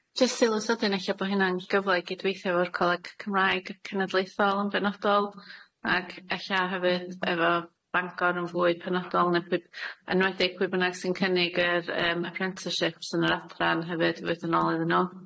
Jyst sylw sydyn ella bo' hynna'n gyfla i gydweithio efo'r Coleg Cymraeg Cenedlaethol yn benodol ag ella hefyd efo Bangor yn fwy penodol ne' pwy- enwedig pwy bynnag sy'n cynnig yr yym apprenticeships yn yr adran hefyd fyd yn ôl iddyn nw.